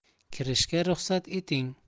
kirishga ruxsat eting